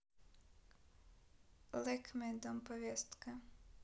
lakme дом повестка